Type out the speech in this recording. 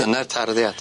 Dyna'r tarddiad.